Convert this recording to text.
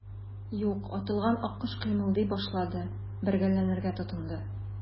Юк, атылган аккош кыймылдый башлады, бәргәләнергә тотынды.